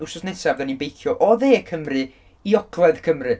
Wyhtnos nesa fydden ni'n beicio o Dde Cymru i Ogledd Cymru.